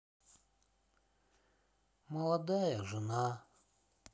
молодая жена